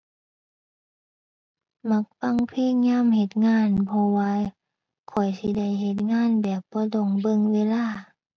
มักฟังเพลงยามเฮ็ดงาน เพราะว่าข้อยสิได้เฮ็ดงานแบบบ่ต้องเบิ่งเวลา